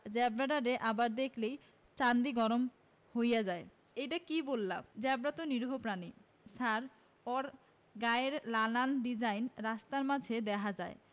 জেব্রাডারে আমার দেখলেই চান্দি গরম হয়া যায় এইডা কি বললা জেব্রা তো নিরীহ প্রাণী.. ছার অর গায়ের লালান ডেজাইন রাস্তায় মাঝে দেহা যায়